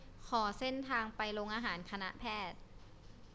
ขอเส้นทางไปโรงอาหารคณะแพทย์